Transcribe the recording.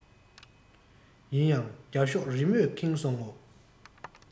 ཡིན ཡང རྒྱ ཤོག རི མོས ཁེངས སོང ངོ